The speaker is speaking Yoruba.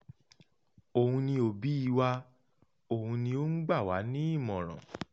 Òun ni òbíi wa, òun ni ó ń gbà wá nímọ̀ràn.